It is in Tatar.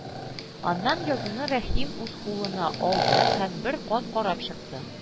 Аннан язуны Рәхим үз кулына алды һәм бер кат карап чыкты